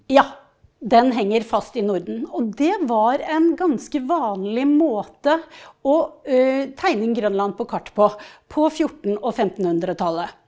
ja den henger fast i Norden og det var en ganske vanlig måte å tegne inn Grønland på kart på på fjorten- og femtenhundretallet.